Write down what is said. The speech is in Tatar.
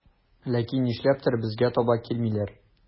Ләкин нишләптер безгә таба килмиләр.